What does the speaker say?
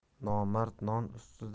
nomard non ustida